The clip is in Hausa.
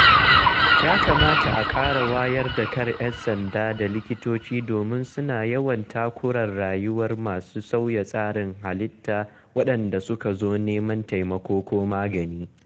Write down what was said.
Ya kamata a ƙara wayar da kan 'yan sanda da likitoci domin suna yawan takura rayuwar masu sauya tsarin halitta waɗanda suka zo neman taimako ko magani.